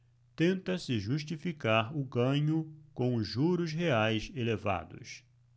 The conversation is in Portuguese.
tenta-se justificar o ganho com os juros reais elevados